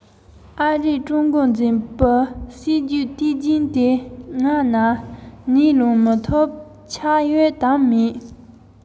ཡང ན ཤི ཡོད དང མེད ཀྱི ཐོག ལ བཙུགས ཡོད